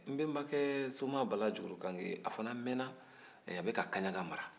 n bɛnbakɛ soma bala jugurukange a fana mɛnna a bɛka kaɲaga mara